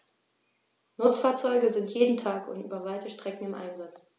Nutzfahrzeuge sind jeden Tag und über weite Strecken im Einsatz.